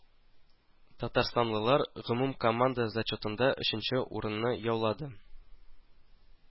Татарстанлылар гомумкоманда зачетында өченче урынны яулады